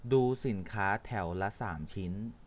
ดูสินค้าแถวละสามชิ้น